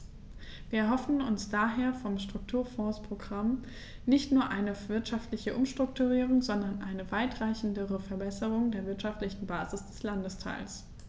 Wir erhoffen uns daher vom Strukturfondsprogramm nicht nur eine wirtschaftliche Umstrukturierung, sondern eine weitreichendere Verbesserung der wirtschaftlichen Basis des Landesteils.